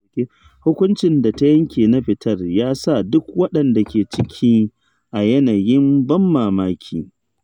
Hukuncin da ta yanke na fitar ya sa duk waɗanda ke ciki a yanayin ban mamaki.